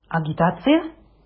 Агитация?!